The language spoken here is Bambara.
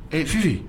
Ee sisi